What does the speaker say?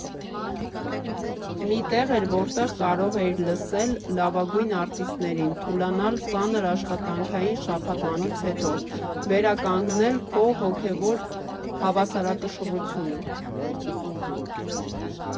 Մի տեղ էր, որտեղ կարող էիր լսել լավագույն արտիստներին, թուլանալ ծանր աշխատանքային շաբաթվանից հետո, վերականգնել քո հոգևոր հավասարակշռությունը։